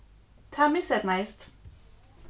tað miseydnaðist